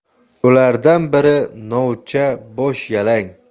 ulardan biri novcha boshyalang